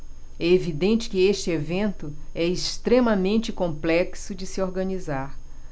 é evidente que este evento é extremamente complexo de se organizar